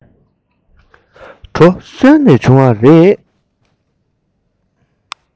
གྲོ སོན ནས བྱུང བ རེད